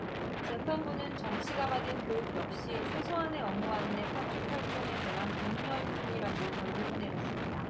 재판부는 정씨가 받은 교육 역시 최소한의 업무 안내 판촉활동에 대한 독려일 뿐이라고 결론 내렸습니다